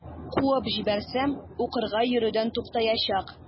Куып җибәрсәм, укырга йөрүдән туктаячак.